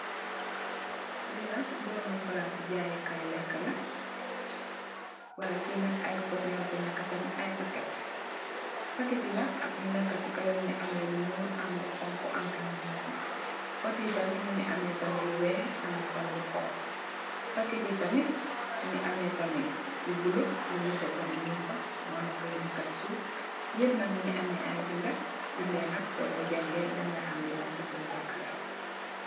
Linak barabu palasi jayekay lekala way Fi nak ayy pot ñofineka tamit ayy paket paket yi nak yu neka si kaw ñungi ameh ayy yu ñul amlu xonxu am tamit lu netteh potyi tamit ñungi ameh tamit lu wekh ameh tamit lu xonxu poketyi ñungi ameh tamit lu bulo lu netteh tamit ñungfa mo neka yu neka si suff yep nak ñingi ameh ayy binda yo hamneh soko jangeh dinga xamli ban fasongi lekala.